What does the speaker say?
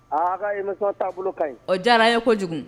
Aa kami taaboloa ka ɲi o diyara ye kojugu